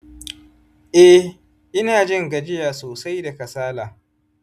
eh, ina jin gajiya sosai da kasala.